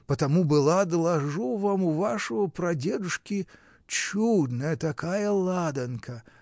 Потому была, доложу вам, у вашего прадедушки чудная така ладанка